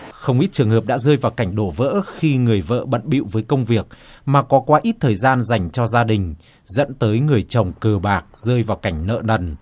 không ít trường hợp đã rơi vào cảnh đổ vỡ khi người vợ bận bịu với công việc mà có quá ít thời gian dành cho gia đình dẫn tới người chồng cờ bạc rơi vào cảnh nợ nần